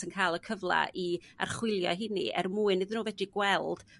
yn ca'l y cyfla i archwiliau 'heini er mwyn iddy n'w fedru gweld